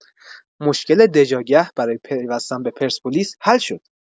مشکل دژاگه برای پیوستن به پرسپولیس حل شد.